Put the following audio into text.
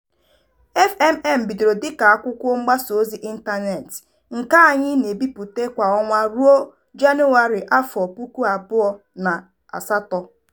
FMM bidoro dịka akwụkwọ mgbasa ozi ịntanetị, nke anyị na-ebipụta kwa ọnwa ruo Janụwarị 2008.